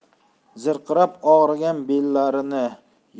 zirqirab og'rigan bellarini